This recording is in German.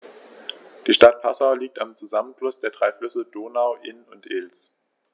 Die Stadt Passau liegt am Zusammenfluss der drei Flüsse Donau, Inn und Ilz.